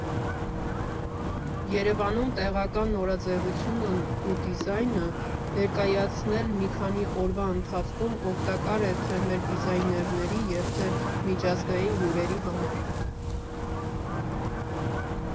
Երևանում տեղական նորաձևությունն ու դիզայնը ներկայացնել մի քանի օրվա ընթացքում օգտակար է թե մեր դիզայներների, և թե՛ միջազգային հյուրերի համար։